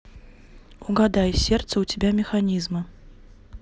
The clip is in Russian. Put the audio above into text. угадай сердце у тебя механизмы